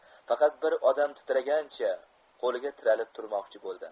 fakat bir odam titragancha qo'liga tiralib turmoqchi boldi